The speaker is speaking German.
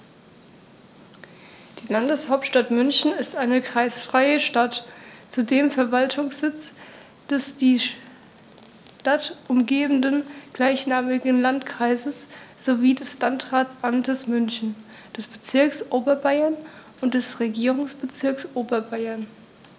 Die Landeshauptstadt München ist eine kreisfreie Stadt, zudem Verwaltungssitz des die Stadt umgebenden gleichnamigen Landkreises sowie des Landratsamtes München, des Bezirks Oberbayern und des Regierungsbezirks Oberbayern.